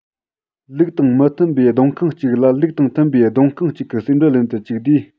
ལུགས དང མི མཐུན པའི སྡོང རྐང གཅིག ལ ལུགས དང མཐུན པའི སྡོང རྐང གཅིག གི ཟེའུ འབྲུ ལེན དུ བཅུག དུས